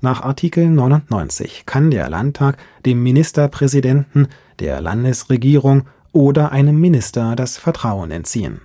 Nach Artikel 99 kann der Landtag dem Ministerpräsidenten, der Landesregierung oder einem Minister das Vertrauen entziehen